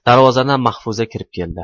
darvozadan mahfuza kirib keldi